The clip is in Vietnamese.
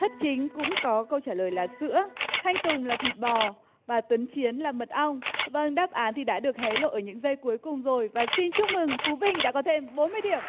thất chính cũng có câu trả lời là sữa thanh tùng là thịt bò và tuấn chiến là mật ong vâng đáp án thì đã được hé lộ ở những giây cuối cùng rồi và xin chúc mừng phú vinh đã có thêm bốn mươi điểm